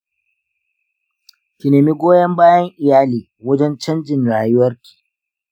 ki nemi goyon bayan iyali wajen canjin rayuwarki.